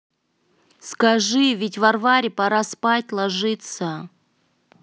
скажи ведь варваре пора спать ложиться